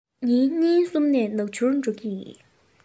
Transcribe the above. ཉིན གཉིས གསུམ ནས ནག ཆུར འགྲོ གི ཡིན